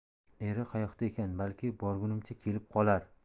eri qayoqda ekan balki borgunimcha kelib qolar